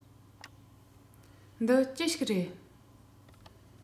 འདི ཅི ཞིག རེད